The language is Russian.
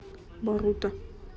боруто